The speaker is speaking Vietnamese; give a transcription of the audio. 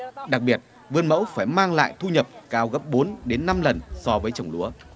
đặc biệt với mẫu phải mang lại thu nhập cao gấp bốn đến năm lần so với trồng lúa